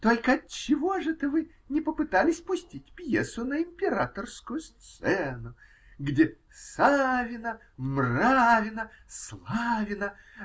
Только отчего ж это вы не попытались пустить пьесу на Императорскую сцену? Где Савина, Мравина, Славина.